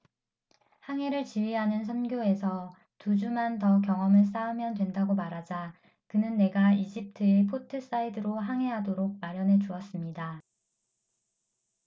항해를 지휘하는 선교에서 두 주만 더 경험을 쌓으면 된다고 말하자 그는 내가 이집트의 포트사이드로 항해하도록 마련해 주었습니다